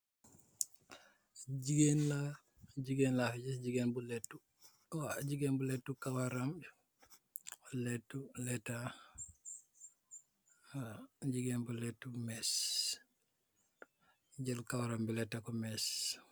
Jigeen la jigeen la giss jigeen bu laito jigeen bu laito kawaram laito lata jigeen bu laito mees jel kawaram bi laito mess.